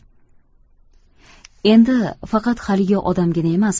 endifaqat haligi odamgina emas